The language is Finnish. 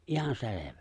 ihan selvä